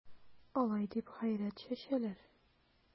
Алай дип гайрәт чәчәләр...